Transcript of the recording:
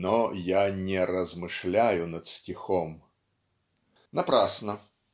Но я не размышляю над стихом. Напрасно.